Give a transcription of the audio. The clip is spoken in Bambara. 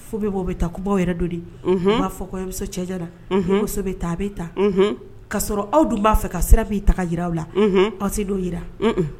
Fo bɛ bɔ bɛ taa kubaw yɛrɛ don de'a fɔ cɛjayara muso bɛ taa a bɛ taa ka' sɔrɔ aw dun b'a fɛ ka sirafin ii ta jira aw la pasi dɔ yi